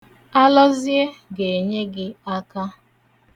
Alọzie ga-enye gị aka.